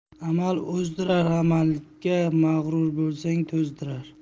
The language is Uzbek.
amal o'zdirar amalga mag'rur bo'lsang to'zdirar